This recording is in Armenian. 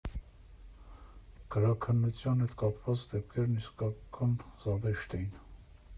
Գրաքննության հետ կապված դեպքերն իսկական զավեշտ էին։